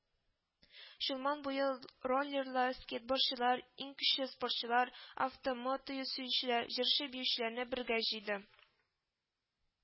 Чулман буел роллерлар, скейтборчылар, иң көчле спортчылар, авто-мото сөючеләр, җырчы – биючеләрне бергә җыйды